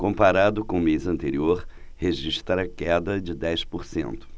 comparado com o mês anterior registra queda de dez por cento